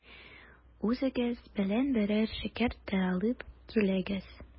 Үзегез белән берәр шәкерт тә алып килегез.